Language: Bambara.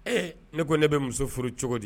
Ee ne ko ne bɛ muso furu cogo di